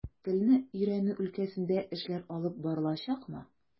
Телне өйрәнү өлкәсендә эшләр алып барылачакмы?